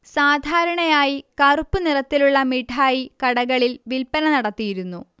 സാധാരണയായി കറുപ്പു നിറത്തിലുള്ള മിഠായി കടകളിൽ വിൽപ്പന നടത്തിയിരുന്നു